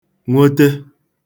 nwote